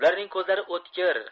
ularning ko'zlari o'tkir